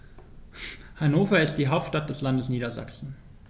Hannover ist die Hauptstadt des Landes Niedersachsen.